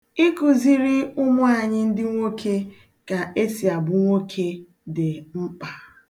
Ịkụziri ụmụ anyị ndị nwoke ka esi abụ nwoke dị mkpa.